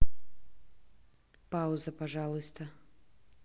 пауза пожалуйста